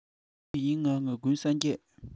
གཅིག པུ ཡིན ང ཀུན ས རྒྱལ